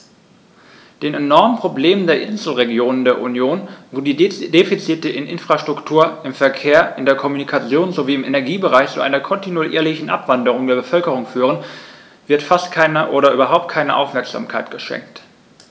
Den enormen Problemen der Inselregionen der Union, wo die Defizite in der Infrastruktur, im Verkehr, in der Kommunikation sowie im Energiebereich zu einer kontinuierlichen Abwanderung der Bevölkerung führen, wird fast keine oder überhaupt keine Aufmerksamkeit geschenkt.